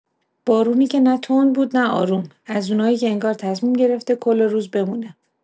بارونی که نه تند بود نه آروم، از اونایی که انگار تصمیم گرفته کل روز بمونه.